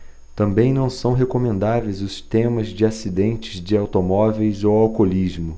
também não são recomendáveis os temas de acidentes de automóveis ou alcoolismo